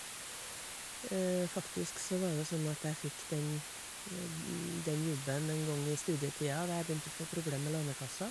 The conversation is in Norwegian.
Faktisk så var det sånn at jeg fikk den den jobben en gang i studietida da jeg begynte å få problemer med Lånekassa.